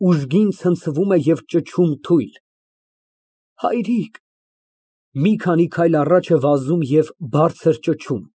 Ուժգին ցնցվում է ու ճչում թույլ)։ Հայրիկ։ (Մի քանի քայլ առաջ է վազում և բարձր ճչում)։